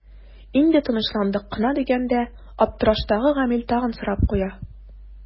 Инде тынычландык кына дигәндә аптыраштагы Гамил тагын сорап куя.